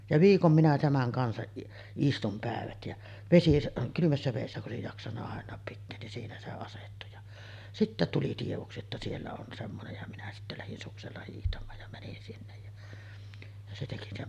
ja viikon minä tämän kanssa istuin päivät ja - kylmässä vedessä kun olisi jaksanut aina pitää niin siinä se asettui ja sitten tuli tiedoksi että siellä on semmoinen ja minä sitten lähdin suksella hiihtämään ja menin sinne ja ja se teki ne